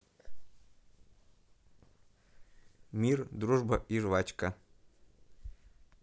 мир дружба и жвачка